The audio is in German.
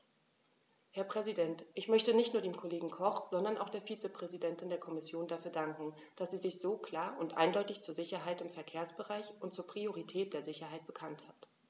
Herr Präsident, ich möchte nicht nur dem Kollegen Koch, sondern auch der Vizepräsidentin der Kommission dafür danken, dass sie sich so klar und eindeutig zur Sicherheit im Verkehrsbereich und zur Priorität der Sicherheit bekannt hat.